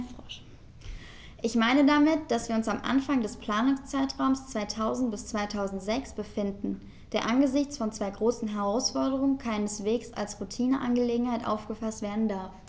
Ich meine damit, dass wir uns am Anfang des Planungszeitraums 2000-2006 befinden, der angesichts von zwei großen Herausforderungen keineswegs als Routineangelegenheit aufgefaßt werden darf.